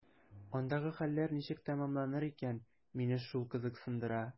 Андагы хәлләр ничек тәмамланыр икән – мине шул кызыксындыра.